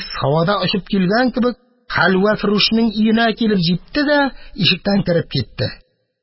Һавада очып килгән кебек, хәлвәфрүшнең өенә килеп җитте дә ишектән кереп китте.